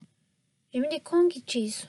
རི མོ འདི ཁོང གིས བྲིས སོང